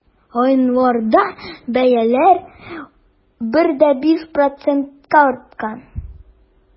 Гыйнварда бәяләр 1,5 процентка арткан.